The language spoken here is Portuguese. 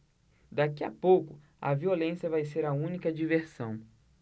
daqui a pouco a violência vai ser a única diversão